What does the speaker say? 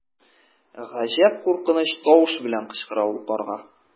Гаҗәп куркыныч тавыш белән кычкыра ул карга.